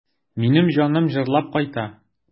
Минем җаным җырлап кайта.